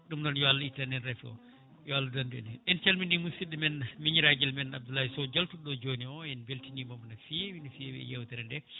ɗum noon yo Allah ittan en raafi o yo Allah dandu en hen en calmini musidɗo men miñiraguel men Abdoulaye Sow jaltuɗo ɗo joni o en beltanimomo no fewi no fewi e yewtere nde